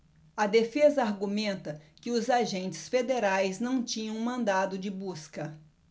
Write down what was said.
a defesa argumenta que os agentes federais não tinham mandado de busca